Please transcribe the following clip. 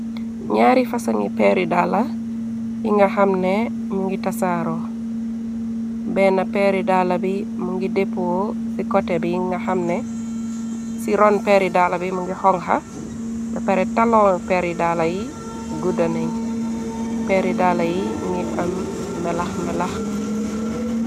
Naari fasa ngi peeri daala yi nga xam ne ñu ngi tasaaro, benn peeri daala bi mu ngi déppoo ci kote bi nga xam ne , ci ron peeri daala bi mungi xonxa. Bey pare talong peeri daala yi guddaneñ, peeri daala yi ñu ngi am melax melax.